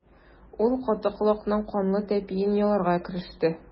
Ул каты колакның канлы тәпиен яларга кереште.